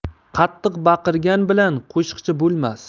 qattiq baqirgan bilan qo'shiqchi bo'lmas